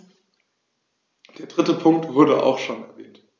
Der dritte Punkt wurde auch schon erwähnt.